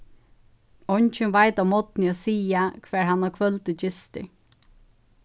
eingin veit á morgni at siga hvar hann á kvøldi gistir